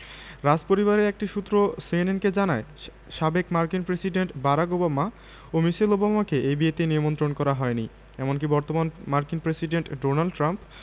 রাজপরিবারের একটি সূত্র সিএনএনকে জানায় সাবেক মার্কিন প্রেসিডেন্ট বারাক ওবামা ও মিশেল ওবামাকে এই বিয়েতে নিমন্ত্রণ করা হয়নি এমনকি বর্তমান মার্কিন প্রেসিডেন্ট ডোনাল্ড ট্রাম্প